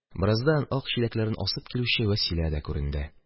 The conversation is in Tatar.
Бераздан ак чиләкләрен асып килүче Вәсилә дә күренде.